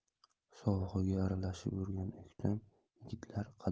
sovug'iga aralashib yurgan o'ktam